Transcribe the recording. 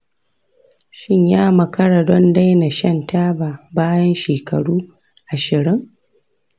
shin ya makara don daina shan taba bayan shekaru ashirin?